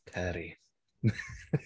Cyri.